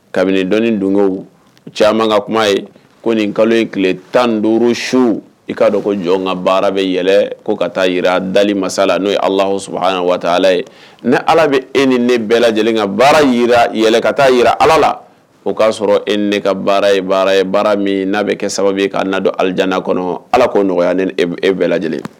Kabini dɔnnii don caman ka kuma ye ko nin kalo in tile tan duuru su i k'a dɔn ko jɔn ka baara bɛ yɛlɛ ko ka taa yi masala n'o ye alah su waati ala ye ne ala bɛ e ni ne bɛɛ lajɛlen ka baara yɛlɛ ka taa jira ala la o y'a sɔrɔ e ni ne ka baara baara ye baara min n'a bɛ kɛ sababu'a'a don alajan kɔnɔ ala'o nɔgɔya ni e bɛɛ lajɛlen